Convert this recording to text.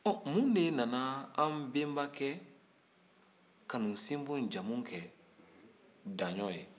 ɔ mun de nana an benbakɛ kanusinbon jamu kɛ daɲɔ ye